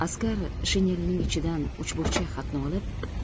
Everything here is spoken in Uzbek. askar shinelining ichidan uchburchak xatni olib